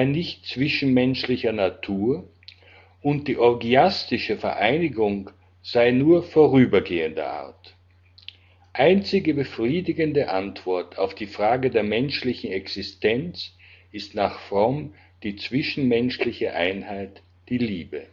nicht zwischenmenschlicher Natur und die orgiastische Vereinigung sei nur vorübergehender Art. Einzige befriedigende Antwort auf die Frage der menschlichen Existenz ist nach Fromm die zwischenmenschliche Einheit: die Liebe